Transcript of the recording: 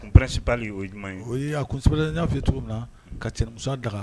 Kun pɛsiba o ɲuman o y'a kunsɛbɛ n y'a fɛye cogo min na ka cɛ musa daga